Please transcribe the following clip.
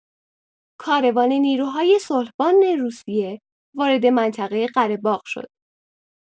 کاروان نیروهای صلح‌بان روسیه وارد منطقه قره‌باغ شد.